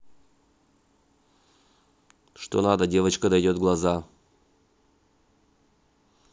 что надо девочка дойдет глаза